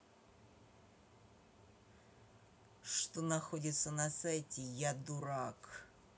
что находится на сайте я дурак